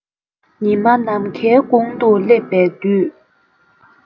ཉི མ ནམ མཁའི དགུང དུ སླེབས པའི དུས